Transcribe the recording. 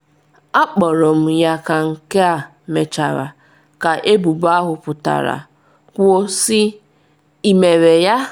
Akpọrọ m ya ka nke a mechara, ka ebubo ahụ pụtara, kwuo sị, ‘Ị mere ya?